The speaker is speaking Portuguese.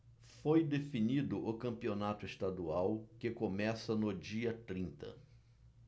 foi definido o campeonato estadual que começa no dia trinta